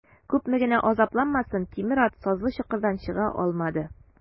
Күпме генә азапланмасын, тимер ат сазлы чокырдан чыга алмады.